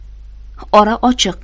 ora ochiq